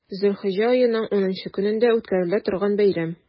Зөлхиҗҗә аеның унынчы көнендә үткәрелә торган бәйрәм.